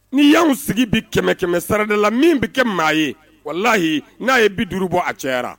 Ni y'an sigi bi kɛmɛ kɛmɛ sara de la min bɛ kɛ maa ye wala layi n'a ye bi duuru bɔ a cɛyara